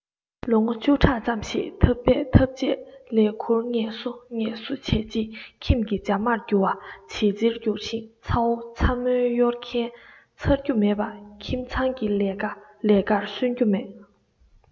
ལོ ངོ བཅུ ཕྲག ཙམ ཤི འཐབ འབད འཐབ བྱས ལས འཁྱུར ངལ གསོ ངལ གསོ བྱས རྗེས ཁྱིམ གྱི ཇ མར འགྱུར བ བྱིས རྫིར འགྱུར ཞིང ཚ བོ ཚ མོ གཡོར མཁན ཚར རྒྱུ མེད པ ཁྱིམ ཚང གི ལས ཀ ལས ཀར སུན རྒྱུ མེད